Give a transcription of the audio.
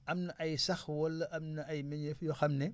am na ay sax wala am na ay meññeef yoo xam ne